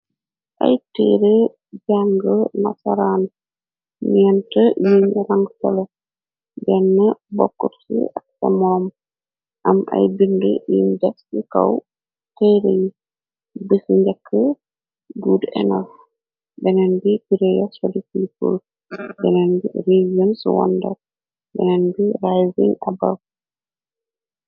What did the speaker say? ay tere jàng nasaraan neent yuñ rangsëla denn bokkur ci ak tamoom am ay bing im des ci kaw teyre yi bi ci njekk god nof beneen bi piree sodu peiple beneen bi region's wondar benen bi rising abar